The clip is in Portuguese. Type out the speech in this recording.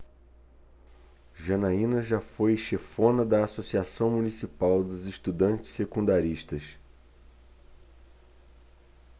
janaina foi chefona da ames associação municipal dos estudantes secundaristas